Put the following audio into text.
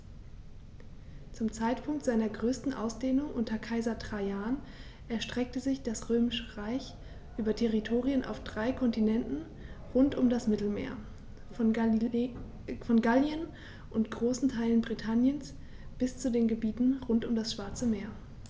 Zum Zeitpunkt seiner größten Ausdehnung unter Kaiser Trajan erstreckte sich das Römische Reich über Territorien auf drei Kontinenten rund um das Mittelmeer: Von Gallien und großen Teilen Britanniens bis zu den Gebieten rund um das Schwarze Meer.